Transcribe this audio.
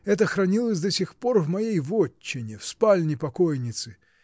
Это хранилось до сих пор в моей вотчине, в спальне покойницы.